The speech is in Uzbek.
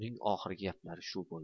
uning oxirgi gaplari shu bo'ldi